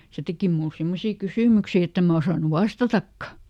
se teki minulle semmoisia kysymyksiä että en minä osannut vastatakaan